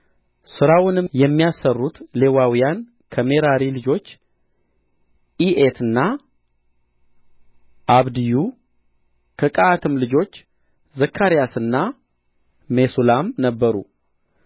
ሥራውንም የሚያሠሩት ሌዋውያን ከሜራሪ ልጆች ኢኤትና አብድዩ ከቀዓትም ልጆች ዘካርያስና ሜሱላም ነበሩ